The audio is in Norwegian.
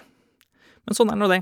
Men sånn er nå det.